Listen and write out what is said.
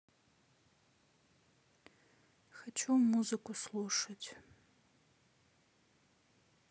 хочу музыку слушать